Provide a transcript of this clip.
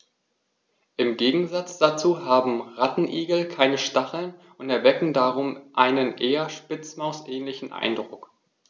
Im Gegensatz dazu haben Rattenigel keine Stacheln und erwecken darum einen eher Spitzmaus-ähnlichen Eindruck.